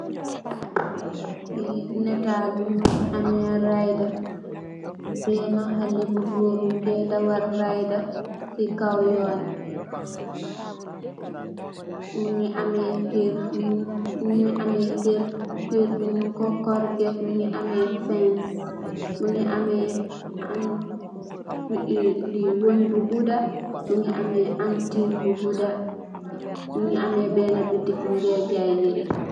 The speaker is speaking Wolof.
Benna halle bou goor mougui ammeh raider di dawal cii caw yon wii kerr mougui tahaw ci borram